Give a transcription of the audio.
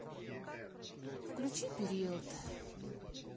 включи период